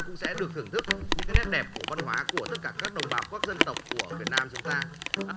cũng sẽ được thưởng thức những cái nét đẹp của văn hóa của tất cả các đồng bào các dân tộc của việt nam chúng ta